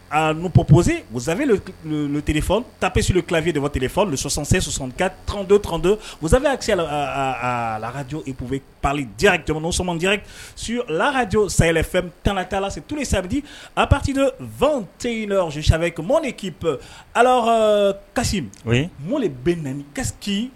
Npɔposezaliletele tapisi kifiye de tele sɔsan sɔsɔtɔn tɔntɔn muzali' sela lakaj ipu bɛ jamana somandiya su lakajɔ sayayɛlɛfɛn tan t'a la setour sabati a pasi don vw tɛ yen sa m de k'ip alah kasisi mo de bɛ na kaki